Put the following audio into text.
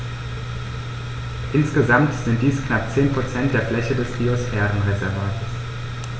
Insgesamt sind dies knapp 10 % der Fläche des Biosphärenreservates.